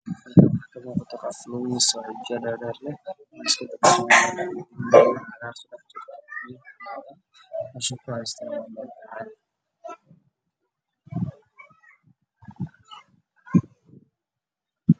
Meshan waxaa iiga muuqda labo lugood